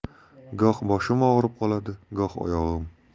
goh boshim og'rib qoladi goh oyog'im